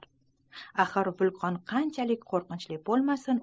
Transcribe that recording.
axir vulqon qancha qorqinchli bolmasin